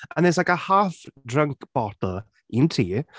And there’s like a half drunk bottle, un ti.